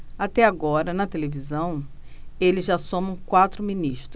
até agora na televisão eles já somam quatro ministros